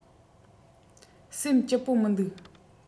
སེམས སྐྱིད པོ མི འདུག